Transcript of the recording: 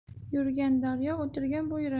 yurgan daryo o'tirgan bo'yra